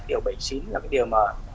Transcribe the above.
điều bảy chín là điều mà